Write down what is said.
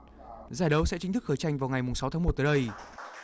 giải đấu sẽ chính thức khởi tranh vào ngày mùng sáu tháng một tới đây